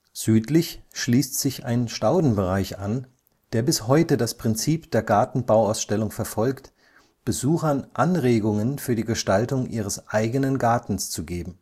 Südlich schließt sich ein Staudenbereich an, der bis heute das Prinzip der Gartenbauausstellung verfolgt, Besuchern Anregungen für die Gestaltung ihres eigenen Gartens zu geben